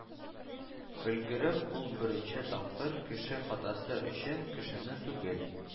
Өлгереп, ул беренче тапкыр кеше хатасы өчен кешене түгел,